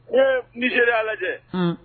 Ko ni se ala lajɛ